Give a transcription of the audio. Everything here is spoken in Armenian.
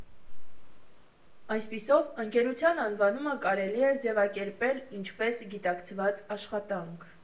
Այսպիսով ընկերության անվանումը կարելի է ձևակերպել ինչպես «գիտակցված աշխատանք»։